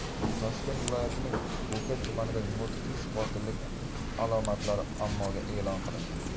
toshkent viloyatining bo'ka tumanida mudhish qotillik alomatlari ommaga e'lon qilingan